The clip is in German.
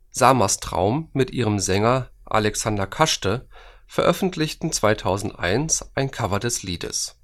Samsas Traum mit ihrem Sänger Alexander Kaschte veröffentlichten 2001 ein Cover des Liedes